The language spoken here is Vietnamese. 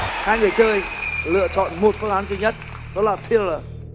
hai người chơi lựa chọn một phương án duy nhất đó là thiu lờ